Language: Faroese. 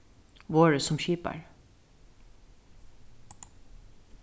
vorðið sum skipari